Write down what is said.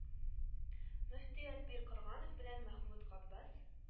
Мөфти Әлбир Корганов белән Мәхмүд Габбас